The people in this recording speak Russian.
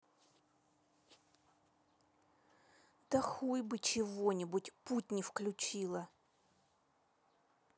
да хуй бы чего нибудь путь не включила